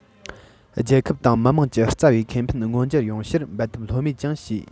རྒྱལ ཁབ དང མི དམངས ཀྱི རྩ བའི ཁེ ཕན མངོན འགྱུར ཡོང ཕྱིར འབད འཐབ ལྷོད མེད ཀྱང བྱས